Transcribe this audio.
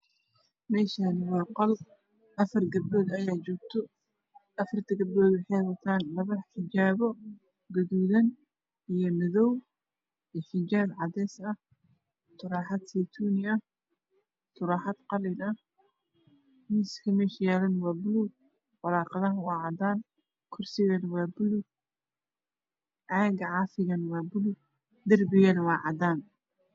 Meshani waa qol afar gabdhood ayaa joogta wexey watan xijabo madow iyo xijab cadees ah turaxad seytuniya turaxad qalin ah waraqado cadan caga cafiha waa bulug